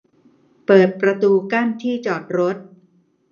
เปิดประตูกั้นที่จอดรถ